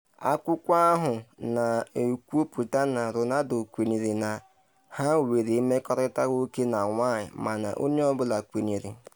Akwụkwọ ahụ na-ekwuputa na Ronaldo kwenyere na ha nwere mmekọrịta nwoke na nwanyị mana onye ọ bụla kwenyere.